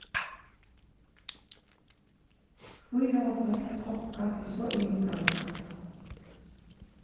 hví hava fólk tokka til so ymiskan mat